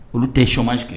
Olu tɛ chumage kɛ